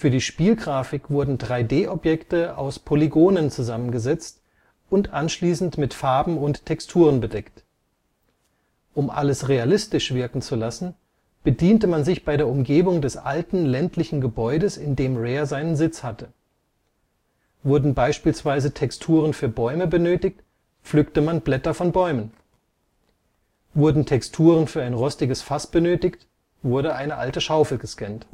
die Spielgrafik wurden 3D-Objekte aus Polygonen zusammengesetzt und anschließend mit Farben und Texturen bedeckt. Um alles realistisch wirken zu lassen, bediente man sich bei der Umgebung des alten ländlichen Gebäudes, in dem Rare seinen Sitz hatte. Wurden beispielsweise Texturen für Bäume benötigt, pflückte man Blätter von Bäumen. Wurden Texturen für ein rostiges Fass benötigt, wurde eine alte Schaufel gescannt